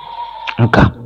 Nka